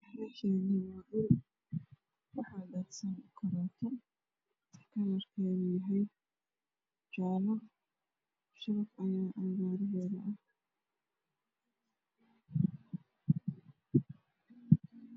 Meshani wa dhul waxa dasan karoto kalarkedu yahay jalo shabaq aya agagarehed ah